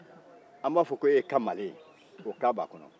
an b'a ko e ye kamalen ye o ka b'a kɔnɔ